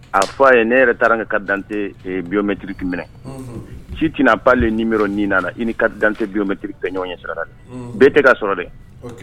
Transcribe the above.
A fɔ a ye ne yɛrɛ taara n ka carte d'identité biométrique minɛ si, tu n'as pas de numéeo NINA i ni carte d'identité tɛ ɲɔgɔn ye sira dɛ, bɛ tɛ' a sɔrɔ dɛ